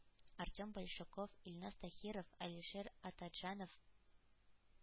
Артем Большаков, Илназ Таһиров, Алишер Атаджанов